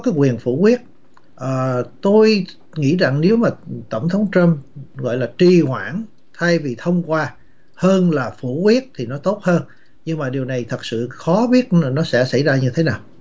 quyền phủ quyết ờ tôi nghĩ rằng nếu mà tổng thống trăm gọi là trì hoãn thay vì thông qua hơn là phủ quyết thì nó tốt hơn nhưng mà điều này thật sự khó biết nó sẽ xảy ra như thế nào